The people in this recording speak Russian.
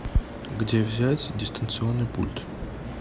где взять дистанционный пульт